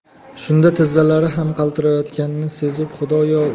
shunda tizzalari ham qaltirayotganini sezib xudoyo